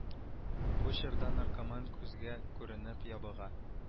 Бу чорда наркоман күзгә күренеп ябыга